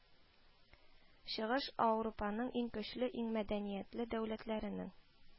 Чыгыш аурупаның иң көчле, иң мәдәниятле дәүләтләренең